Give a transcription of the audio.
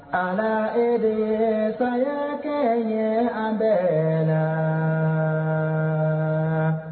Alahu de ye saya kɛ an ye an bɛɛ laa.